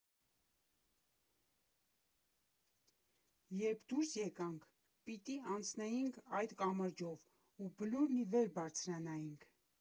Երբ դուրս եկանք, պիտի անցնեինք այդ կամրջով ու բլուրն ի վեր բարձրանայինք։